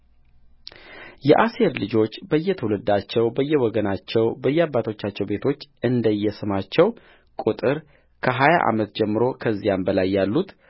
የአሴር ልጆች በየትውልዳቸው በየወገናቸው በየአባቶቻቸው ቤቶች እንደየስማቸው ቍጥር ከሀያ ዓመት ጀምሮ ከዚያም በላይ ያሉት